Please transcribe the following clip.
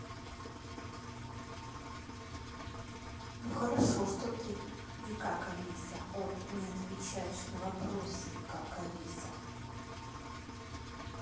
ну хорошо что ты никак алиса от не отвечаешь на вопросы как алиса